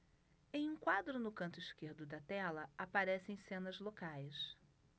em um quadro no canto esquerdo da tela aparecem cenas locais